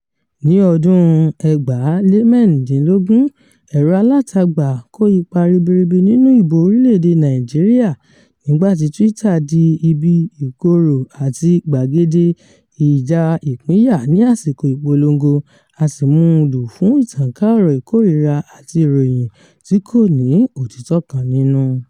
Ní ọdún-un 2015, ẹ̀rọ-alátagbà kó ipa ribiribi nínú ìbò orílẹ̀-èdè Nàìjíríà nígbà tí Twitter di ibi ìkorò àti gbàgede ìjà ìpínyà ní àsìkò ìpolongo, a sì mú u lò fún ìtànká ọ̀rọ̀ ìkórìíra àti ìròyìn tí kò ní òtítọ́ kan nínú.